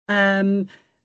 Yym.